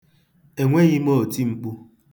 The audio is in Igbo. Enweghị m otimkpu.